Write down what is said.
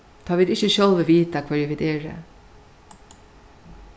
tá vit ikki sjálvi vita hvørji vit eru